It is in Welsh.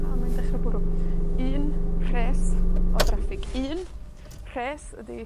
Ah, mae'n dechra bwrw. Un rhes o draffig, un rhes ydi